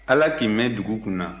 ala k'i mɛn dugu kunna